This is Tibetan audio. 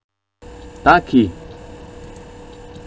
བདག གིས